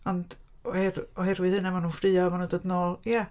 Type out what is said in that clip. Ond oh- oherwydd hynna maen nhw'n ffraeo, maen nhw'n dod yn ôl. Ia.